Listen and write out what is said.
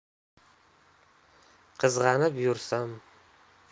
qizg'anib yursam